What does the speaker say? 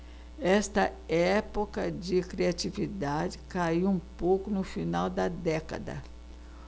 esta época de criatividade caiu um pouco no final da década